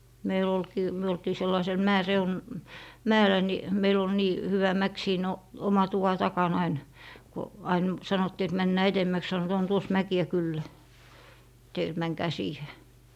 meillä olikin me oltiin sellaisella - mäellä niin meillä oli niin hyvä mäki siinä - oman tuvan takana aina kun aina sanottiin että mennään edemmäksi sanoivat on tuossa mäkiä kyllä teillä että menkää siihen